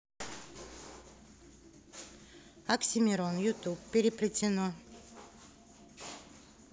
оксимирон ютуб переплетено